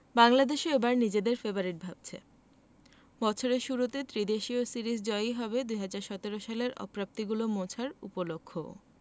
বাংলাদেশও এবার নিজেদের ফেবারিট ভাবছে বছরের শুরুতে ত্রিদেশীয় সিরিজ জয়ই হবে ২০১৭ সালের অপ্রাপ্তিগুলো মোছার উপলক্ষও